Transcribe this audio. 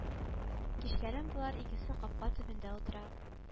Кичләрен болар икесе капка төбендә утыра